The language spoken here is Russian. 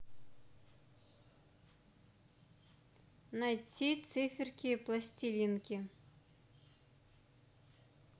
найти циферки пластилинки